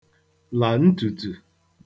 là ntùtù